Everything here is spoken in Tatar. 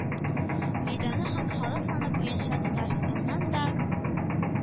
Мәйданы һәм халык саны буенча Татарстаннан да